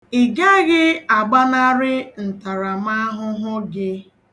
Ị gaghị agbanarị ntaramahụhụ gị.